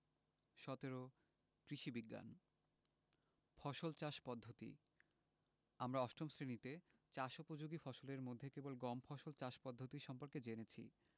১৭ কৃষি বিজ্ঞান ফসল চাষ পদ্ধতি আমরা অষ্টম শ্রেণিতে চাষ উপযোগী ফসলের মধ্যে কেবল গম ফসল চাষ পদ্ধতি সম্পর্কে জেনেছি